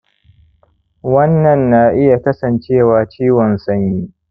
wannan na iya kasancewa ciwon sanyi